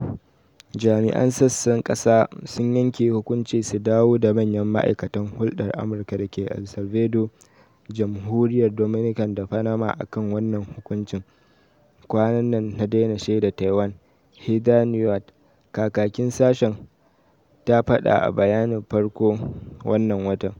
Jami’an Sassan Kasa sun yanke hukunci su dawo da manyan ma’aikatan hulɗar Amurka da ke El Salvador, Jamhuriyar Dominacan da Panama akan wannan “hukuncin kwanan nan na daina shaida Taiwan,” Heather Nauert, kakakin sashen, ta faɗa a bayani farkon wannan watan.